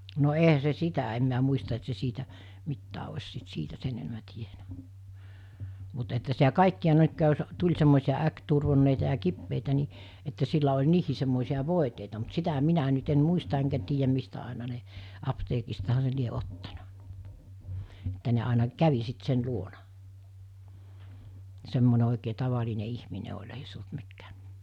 no eihän se sitä en minä muista että se siitä mitään olisi sitten siitä sen enemmän tiennyt mutta että sitä kaikkia jos tuli semmoisia äkkiturvonneita ja kipeitä niin että sillä oli niihin semmoisia voiteita mutta sitä minä nyt en muista enkä tiedä mistä aina ne apteekistahan se lie ottanut että ne aina kävi sitten sen luona semmoinen oikein tavallinen ihminen oli ei se ollut mikään